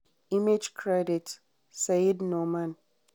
Image credit Syed Noman.